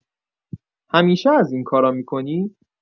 همیشه از این کارا می‌کنی؟